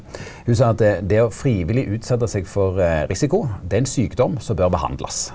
ho sa at det det å frivillig utsette seg for risiko det er ein sjukdom som bør behandlast.